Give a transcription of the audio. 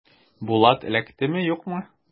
Булат эләктеме, юкмы?